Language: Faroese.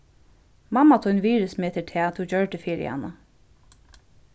mamma tín virðismetir tað tú gjørdi fyri hana